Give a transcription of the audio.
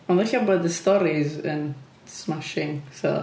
Ond ella bod y storîs yn smashing so.